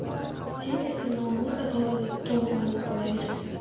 sen esa nomus azobida to'lg'anib qolaverasan